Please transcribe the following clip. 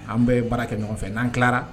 An bɛɛ ye baara kɛ ɲɔgɔn fɛ n'an tila